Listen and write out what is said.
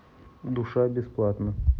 душа бесплатно